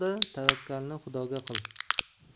da tavakkalni xudoga qil